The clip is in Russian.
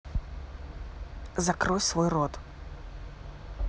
закрой свой рот